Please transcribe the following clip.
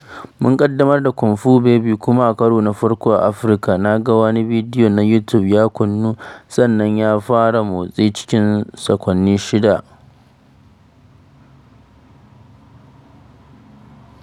Mun ƙaddamar da Kung Fu Baby, kuma a karo na farko a Afirka, na ga wani bidiyo na YouTube ya kunnu sannan ya fara mosti cikin sakwanni 6.